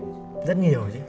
rất nhiều